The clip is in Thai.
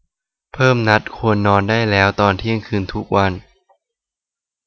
เพิ่มนัดควรนอนได้แล้วตอนเที่ยงคืนทุกวัน